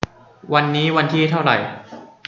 วันนี้วันที่เท่าไหร่